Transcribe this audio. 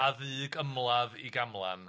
a ddug ymladd i Gamlan.